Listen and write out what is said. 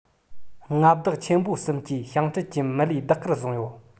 མངའ བདག ཆེན པོ གསུམ གྱིས ཞིང བྲན གྱི མི ལུས བདག གིར བཟུང ཡོད